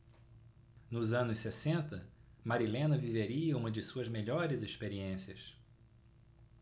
nos anos sessenta marilena viveria uma de suas melhores experiências